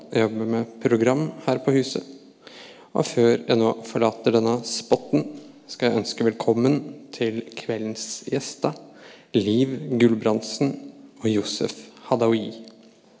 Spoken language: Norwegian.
jeg jobber med program her på huset, og før jeg nå forlater denne spoten, skal jeg ønske velkommen til kveldens gjester, Liv Guldbrandsen og Yousef Hadaoui.